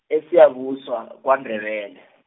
eSiyabuswa , kwaNdebele.